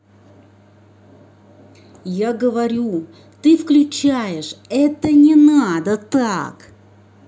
я говорю ты включаешь это не надо так